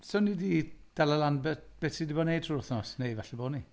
So ni 'di dal lan am be be ti 'di bod yn wneud trwy'r wythnos. Neu, falle bod ni?